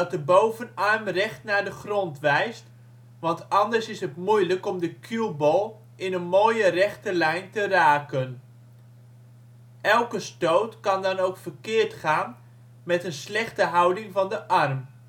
de bovenarm recht naar de grond wijst, want anders is het moeilijk om de cueball in een mooie rechte lijn te raken. Elke stoot kan dan ook verkeerd gaan met een slechte houding van de arm